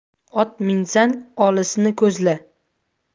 ot minsang olisni ko'zla